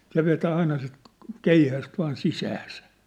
se vetää aina sitä keihästä vain sisäänsä